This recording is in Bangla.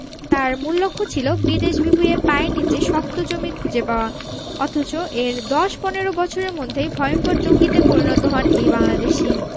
তাঁর মূল লক্ষ্য ছিল বিদেশ বিভুঁইয়ে পায়ের নিচে শক্ত জমি খুঁজে পাওয়া অথচ এর ১০ ১৫ বছরের মধ্যেই ভয়ংকর জঙ্গিতে পরিণত হন এই বাংলাদেশি